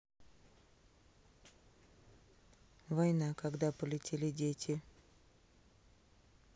война когда полетели дети